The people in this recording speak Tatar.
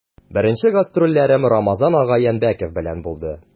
Беренче гастрольләрем Рамазан ага Янбәков белән булды.